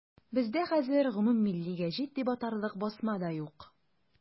Бездә хәзер гомуммилли гәҗит дип атарлык басма да юк.